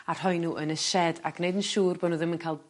a rhoi n'w yn y shed a gneud yn siŵr bo' n'w ddim yn ca'l